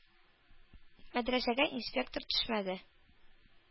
Мәдрәсәгә инспектор төшмәде.